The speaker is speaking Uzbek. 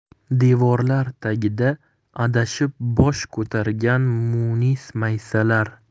devorlar tagida adashib bosh ko'targan munis maysalar